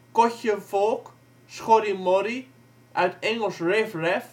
kotjevolk, ' schorriemorrie ' uit Engels riff-raff